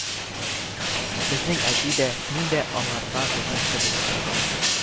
Безнең әти дә, мин дә аңарда хезмәтче булып тордык